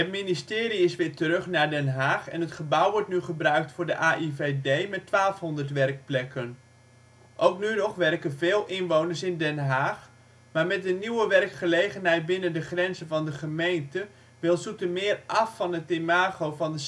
ministerie is weer terug naar Den Haag en het gebouw wordt nu gebruikt door de AIVD met 1200 werkplekken. Ook nu nog werken veel inwoners in Den Haag. Maar met de nieuwe werkgelegenheid binnen de grenzen van de gemeente wil Zoetermeer af van het imago van